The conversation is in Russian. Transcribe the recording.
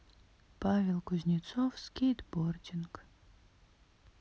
павел кузнецов скейтбординг